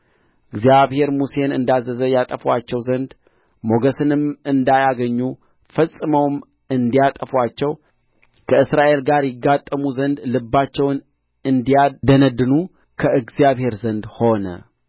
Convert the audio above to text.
እግዚአብሔር ሙሴን እንዳዘዘ ያጠፉአቸው ዘንድ ሞገስንም እንዳያገኙ ፈጽመውም እንዲያጠፉአቸው ከእስራኤል ጋር ይጋጠሙ ዘንድ ልባቸውን እንዲያደነድኑ ከእግዚአብሔር ዘንድ ሆነ